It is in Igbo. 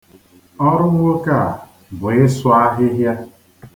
Ọrụ nwoke a bụ ịsụ ahịhịa.